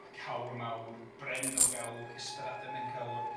y cawr mawr, brenin o gawr, Ysbyddaden Mencawr